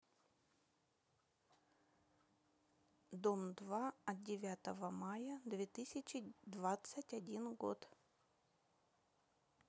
дом два от девятого мая две тысячи двадцать один год